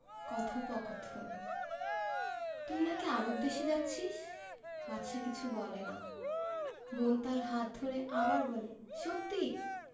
কথোপকথন তুই নাকি আরব দেশে যাচ্ছিস বাদশা কিছু বলে না বোন তার হাত ধরে আবার বলে সত্যি